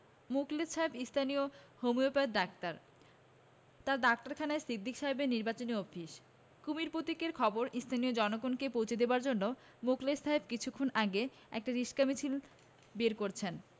মুখলেস সাহেব স্থানীয় homeopath doctor তাঁর ডাক্তারখানাই সিদ্দিক সাহেবের নির্বাচনী অফিস কুমীর প্রতীকের খবর স্থানীয় জনগণকে পৌঁছে দেবার জন্যে মুখলেস সাহেব কিছুক্ষণ আগে একটা রিকশা মিছিল বের করেছেন